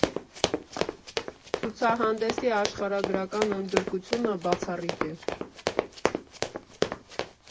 Ցուցահանդեսի աշխարհագրական ընդգրկունությունը բացառիկ է.